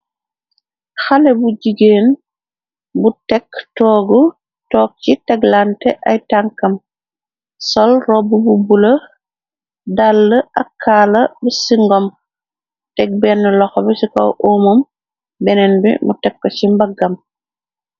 Xale bu jigéen bu tekk toogu, toog ci teglante ay tankam, sol robbu bu bula, daale ak kaala bu singom, teg bénne loxo bi ci kaw uumam, beneen bi mu tekk ci mbaggam.